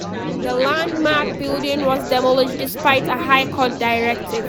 The landmark building was demolished despite a High Court Directive